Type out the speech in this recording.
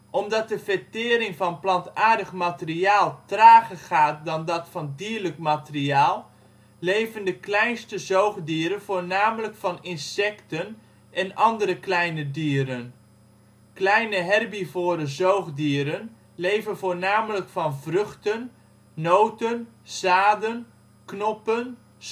Omdat de vertering van plantaardig materiaal trager gaat dan dat van dierlijk materiaal leven de kleinste zoogdieren voornamelijk van insecten en andere kleine dieren. Kleine herbivore zoogdieren leven voornamelijk van vruchten, noten, zaden, knoppen, scheuten